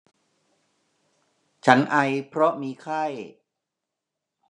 ฉันไอเพราะมีไข้